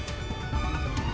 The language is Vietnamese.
tuổi